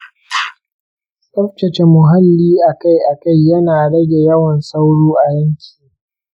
tsaftace muhalli akai-akai yana rage yawan sauro a yanki.